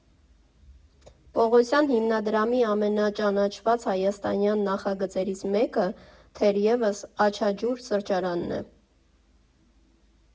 Պողոսյան հիմնադրամի ամենաճանաչված հայաստանյան նախագծերից մեկը, թերևս, «Աչաջուր» սրճարանն է։